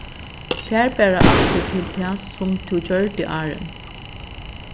far bara aftur til tað sum tú gjørdi áðrenn